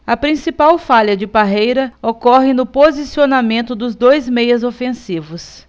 a principal falha de parreira ocorre no posicionamento dos dois meias ofensivos